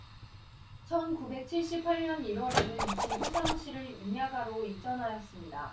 천 구백 칠십 팔 년 일 월에는 지부 사무실을 인야 가로 이전하였습니다